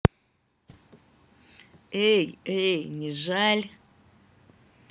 эй эй не жаль